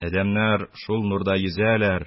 Адәмнәр шул нурда йөзәләр